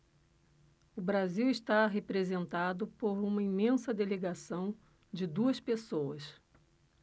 o brasil está representado por uma imensa delegação de duas pessoas